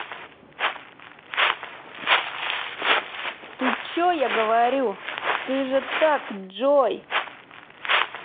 ты че я говорю ты же так джой